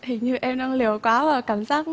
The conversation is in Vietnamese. hình như em đang liều quá vào cảm giác